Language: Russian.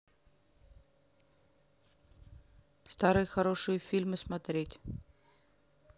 старые хорошие фильмы смотреть